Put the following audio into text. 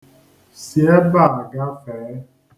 Si ebe a gafee.